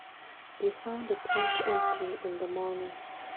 They found the tent empty in the morning.